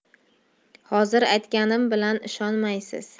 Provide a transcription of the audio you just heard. hozir aytganim bilan ishonmaysiz